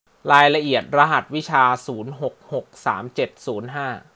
รายละเอียดรหัสวิชาศูนย์หกหกสามเจ็ดศูนย์ห้า